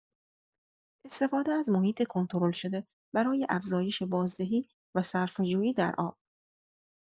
استفاده از محیط کنترل‌شده برای افزایش بازدهی و صرفه‌جویی در آب